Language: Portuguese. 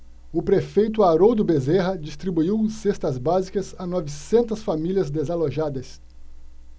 o prefeito haroldo bezerra distribuiu cestas básicas a novecentas famílias desalojadas